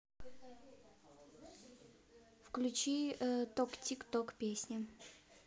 включи ток тик ток песня